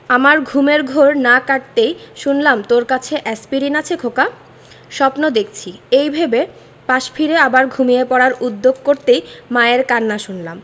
আমার ঘুমের ঘোর না কাটতেই শুনলাম তোর কাছে এ্যাসপিরিন আছে খোকা স্বপ্ন দেখছি এই ভেবে পাশে ফিরে আবার ঘুমিয়ে পড়ার উদ্যোগ করতেই মায়ের কান্না শুনলাম